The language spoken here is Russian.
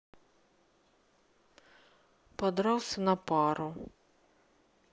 подрался на пару